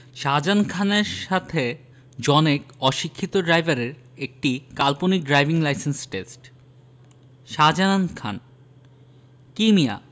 শাজাহান খানের সাথে জনৈক অশিক্ষিত ড্রাইভারের একটি কাল্পনিক driving licence test Shajahan Khan কি মিয়া